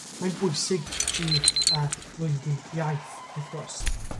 Mae'n bwysig i yy gloywi iaith wrth gwrs.